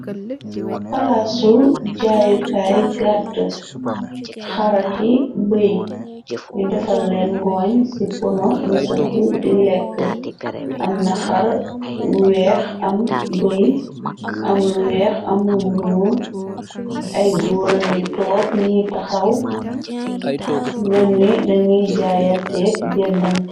Palaasu jaayukaay gàtt xaraki bëy ni defal leen ngooñ ci pono ni sëgg di lekk am na xar weex am bëy am lu weex am l nuur ay góura ngi toop ñi taxaw menni dañuy jaayaanteeg jendante.